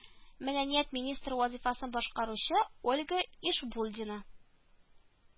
Мәдәният министры вазыйфасын башкаручы ольга ишбулдина